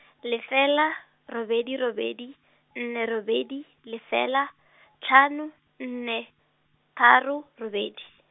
lefela, robedi robedi, nne robedi, lefela, tlhano, nne, tharo, robedi.